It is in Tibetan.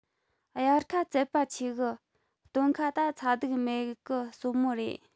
དབྱར ཁ ཙད པ ཆེ གི སྟོན ཁ ད ཚ གདུག མེད གི བསོད མོ རེད